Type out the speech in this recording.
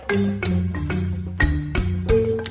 San yo